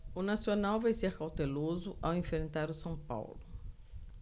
o nacional vai ser cauteloso ao enfrentar o são paulo hoje